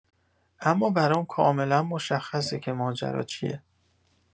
اما برام کاملا مشخصه که ماجرا چیه.